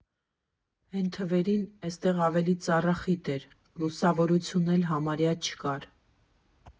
Էն թվերին էստեղ ավելի ծառախիտ էր, լուսավորություն էլ համարյա չկար։